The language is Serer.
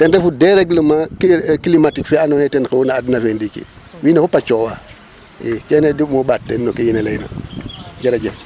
Ten refu déréglement climatique fe andoona yee ten xewatu no adna fe ndiiki wiin we fop a coowa i kene bug'um o ɓaat teen no ke serir a layna jërëjëf.